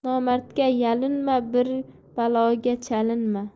nomardga yalinma bir baloga chalinma